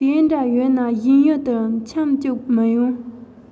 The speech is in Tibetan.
དེ འདྲ ཡོད ན གཞན ཡུལ དུ ཁྱམས བཅུག མི ཡོང